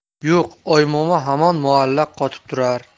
yo'q oymomo hamon muallaq qotib turar